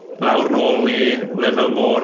Lawr nôl i lefel môr.